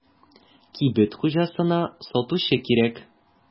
Кибет хуҗасына сатучы кирәк.